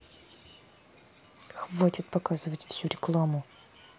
хватит показывать все рекламу